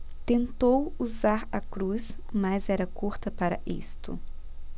tentou usar a cruz mas era curta para isto